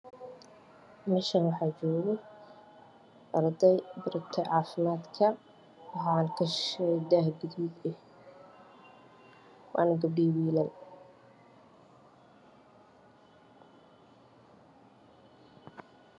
Meeshaan waxaa joogo arday baratay caafimaadka waxaana kashisheeyo daah gaduud ah waana gabdho iyo wiilal.